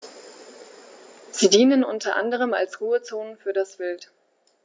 Sie dienen unter anderem als Ruhezonen für das Wild.